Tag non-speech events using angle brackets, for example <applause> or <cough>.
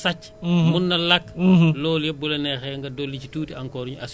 parce que taw bi mën na ko yàq <hesitation> gunóor yi mën nañu ko yàq